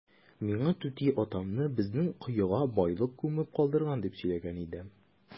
Миңа түти атамны безнең коега байлык күмеп калдырган дип сөйләгән иде.